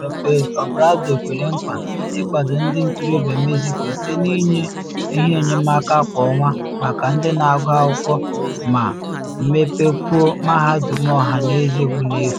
Lopez Obrador kwere nkwa ịkwado ndị ntorobịa Mexico site na ịnye ihe enyemaka kwa ọnwa maka ndị na agụ akwụkwọ ma mepekwuo mahadum ọhaneze bụ n’efu.